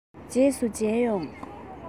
རྗེས སུ མཇལ ཡོང